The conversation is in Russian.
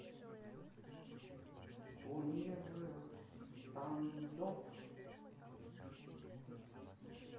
кумир standoff